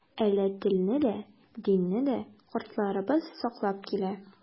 Әле телне дә, динне дә картларыбыз саклап килә.